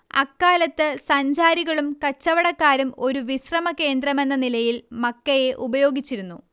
അക്കാലത്ത് സഞ്ചാരികളും കച്ചവടക്കാരും ഒരു വിശ്രമ കേന്ദ്രമെന്ന നിലയിൽ മക്കയെ ഉപയോഗിച്ചിരുന്നു